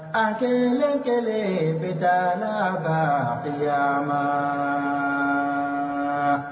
A kelen kelen bɛ da la tile ma